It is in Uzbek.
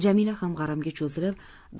jamila ham g'aramga cho'zilib